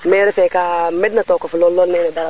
mais refe ka meɗ na tokof lool lool